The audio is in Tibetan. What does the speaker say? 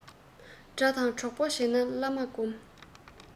འདྲེ དང གྲོགས པོ བྱེད ན བླ མ སྒོམས